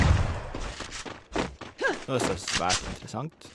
Noe som er svært interessant.